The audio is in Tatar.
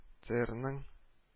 ТРның